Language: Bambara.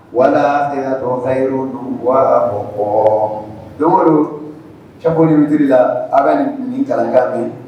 Walasa sera dɔgɔsa ye o don waa ko ko don cɛko ni motiri la a bɛ nin kalankan bɛ